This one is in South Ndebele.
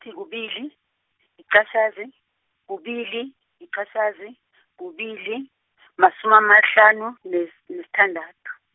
ngi kubili, liqatjhazi, kubili, liqatjhazi , kubili , masumi amahlanu, nes- nesithandathu.